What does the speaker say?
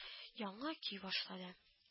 Яңа көй башлады